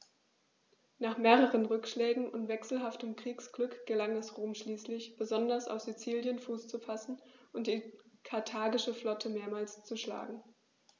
Nach mehreren Rückschlägen und wechselhaftem Kriegsglück gelang es Rom schließlich, besonders auf Sizilien Fuß zu fassen und die karthagische Flotte mehrmals zu schlagen.